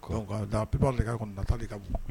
Ppi de ka kɔnɔ taali ka bon